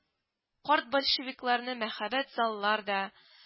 Карт большевикларны мәһабәт заллар да